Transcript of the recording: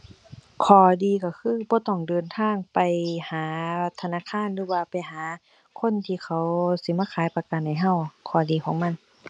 ข้อดีก็คือบ่ต้องเดินทางไปหาธนาคารหรือว่าไปหาคนที่เขาสิมาขายประกันให้ก็ ข้อดีของมัน